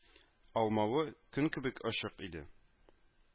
Алмавы көн кебек ачык иде